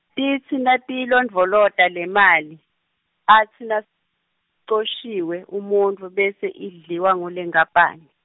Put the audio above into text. titsi natiyilondvolota lemali, atsi nacoshiwe umuntfu bese idliwa ngulenkapani.